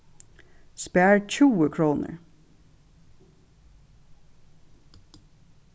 spar tjúgu krónur